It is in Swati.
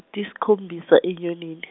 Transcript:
tisikhombisa iNyoni ni.